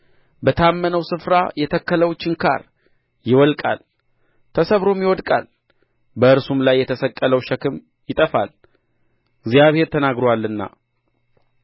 በታመነው ስፍራ የተከለው ችንካር ይወልቃል ተሰብሮም ይወድቃል በእርሱም ላይ የተሰቀለው ሸክም ይጠፋል እግዚአብሔር ተናግሮአልና